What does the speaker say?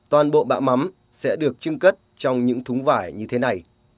toàn bộ bã mắm sẽ được chưng cất trong những thúng vải như thế này